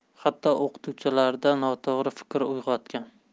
hatto o'qituvchilarda noto'g'ri fikr uyg'otgan